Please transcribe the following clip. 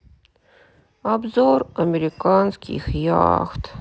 обзор американских яхт